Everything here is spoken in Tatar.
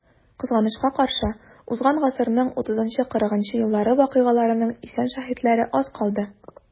Кызганычка каршы, узган гасырның 30-40 еллары вакыйгаларының исән шаһитлары аз калды.